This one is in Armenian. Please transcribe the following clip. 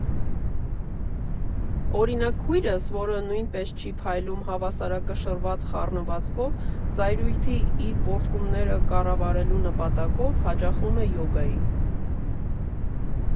Օրինակ՝ քույրս, որը նույնպես չի փայլում հավասարակշռված խառնվածքով, զայրույթի իր պոռթկումները կառավարելու նպատակով հաճախում է յոգայի։